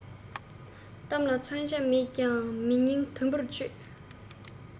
གཏམ ལ ཚོན ཆ མེད ཀྱང མི སྙིང དུམ བུར གཅོད